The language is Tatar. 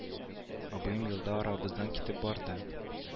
Абыем елда арабыздан китеп барды